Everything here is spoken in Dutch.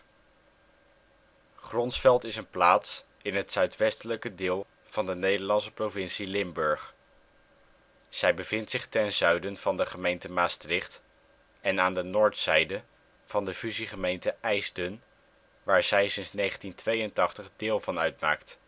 Groéselt) is een plaats in het zuid-westelijke deel van de Nederlandse provincie Limburg. Zij bevindt zich ten zuiden van de gemeente Maastricht en aan de noordzijde van de fusiegemeente Eijsden, waar zij sinds 1982 deel van uitmaakt